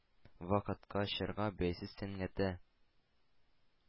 Вакытка, чорга бәйсез сәнгате.